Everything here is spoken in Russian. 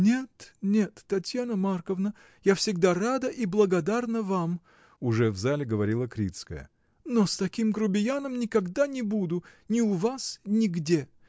— Нет, нет, Татьяна Марковна: я всегда рада и благодарна вам, — уже в зале говорила Крицкая, — но с таким грубияном никогда не буду, ни у вас, нигде.